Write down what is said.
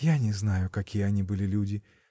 — Я не знаю, какие они были люди.